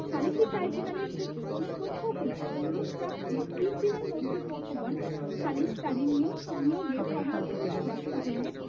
সালিসী ট্রাইব্যুনালের ক্ষেত্রে কোন পক্ষ হইতে অনুরোধ প্রাপ্তির ত্রিশ দিনের মধ্যে পক্ষগণ সালিসকারী নিয়োগে সম্মত হইতে ব্যর্থ হইলে